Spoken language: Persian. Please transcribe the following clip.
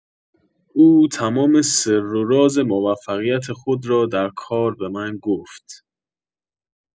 او تمام سر و راز موفقیت خود را در کار به من گفت.